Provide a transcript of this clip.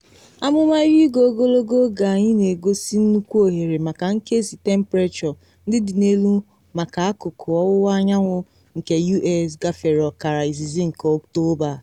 Amụma ihuigwe ogologo oge anyị na egosi nnukwu ohere maka nkezi temprechọ ndị dị n’elu maka akụkụ ọwụwa anyanwụ nke U.S. gafere ọkara izizi nke Ọktoba.